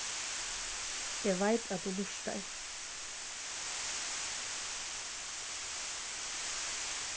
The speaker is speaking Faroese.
eg veit at tú lurtar